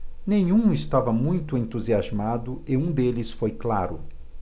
nenhum estava muito entusiasmado e um deles foi claro